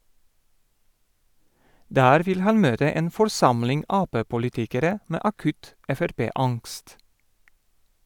Der vil han møte en forsamling Ap-politikere med akutt Frp-angst.